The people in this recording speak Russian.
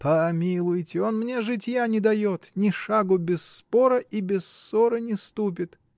— Помилуйте, он мне житья не дает: ни шагу без спора и без ссоры не ступит.